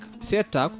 cettatka